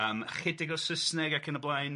yym ychydig o Saesneg ac yn y blaen.